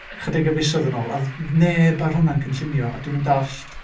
Chydig o fisoedd yn ôl a oedd neb ar hwnna'n cynllunio, a dwi'm yn dallt.